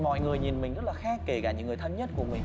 mọi người nhìn mình nữa là khác kể cả những người thân nhất của mình